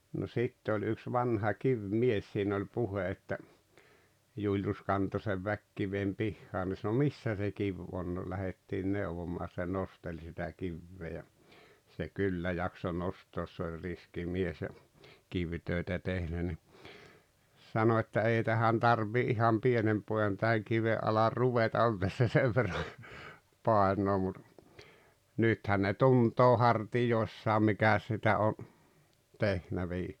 no sitten oli yksi vanha kivimies siinä oli puhe että Julius kantoi sen väkikiven pihaan ne sanoi missä se kivi on no lähdettiin neuvomaan se nosteli sitä kiveä ja se kyllä jaksoi nostaa se oli riski mies ja kivitöitä tehnyt niin sanoi että ei tähän tarvitsee ihan pienen pojan tähän kiven alle ruveta on tässä sen verran painoa mutta nythän ne tuntee hartioissaan mikäs sitä on tehnyt -